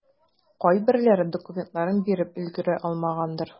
Кайберләре документларын биреп өлгерә алмагандыр.